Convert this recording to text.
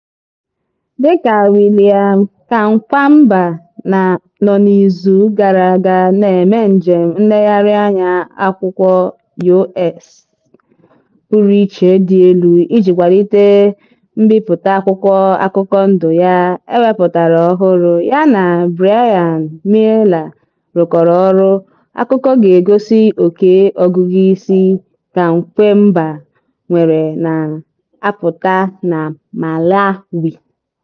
Dịka William Kamkwamba nọ n'izu gara aga na-eme njem nlegharịanya akwụkwọ US pụrụiche dị elu iji kwalite mbipụta akwụkwọ akụkọ ndụ ya e wepụtara ọhụrụ, ya na Bryan Mealer rụkọrọ ọrụ, akụkọ ga-egosi oke ọgụgụisi Kamkwamba nwere na-apụta na Malawi.